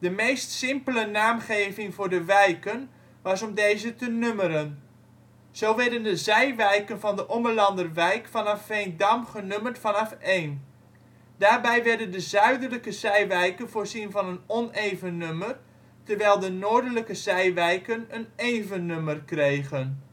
meest simpele naamgeving voor de wijken was om deze te nummeren. Zo werden de zijwijken van de Ommelanderwijk vanaf Veendam genummerd vanaf een. Daarbij werden de zuidelijke zijwijken voorzien van een oneven nummer terwijl de noordelijke zijwijken een even nummer kregen